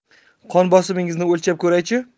qon bosimingizni o'lchab ko'raychi